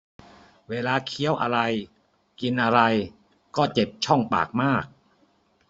เวลาเคี้ยวอะไรกินอะไรก็เจ็บช่องปากมาก